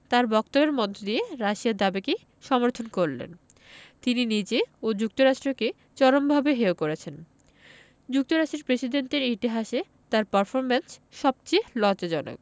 মার্কিন প্রেসিডেন্ট তাঁর বক্তব্যের মধ্য দিয়ে রাশিয়ার দাবিকেই সমর্থন করলেন তিনি নিজে ও যুক্তরাষ্ট্রকে চরমভাবে হেয় করেছেন যুক্তরাষ্ট্রের প্রেসিডেন্টদের ইতিহাসে তাঁর পারফরমেন্স সবচেয়ে লজ্জাজনক